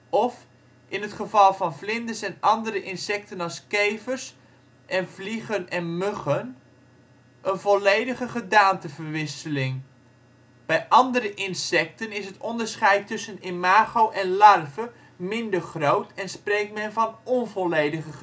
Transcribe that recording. of, in het geval van vlinders en andere insecten als kevers en vliegen en muggen, een volledige gedaanteverwisseling. Bij andere insecten is het onderscheid tussen imago en larve minder groot en spreekt men van onvolledige gedaanteverwisseling